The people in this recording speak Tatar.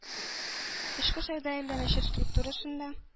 Тышкы сәүдә әйләнеше структурасында